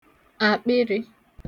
àkpịrị̄